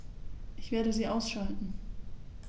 Ich werde sie ausschalten